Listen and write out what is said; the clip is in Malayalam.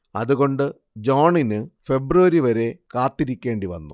അതുകൊണ്ട് ജോണിന് ഫെബ്രുവരി വരെ കാത്തിരിക്കേണ്ടിവന്നു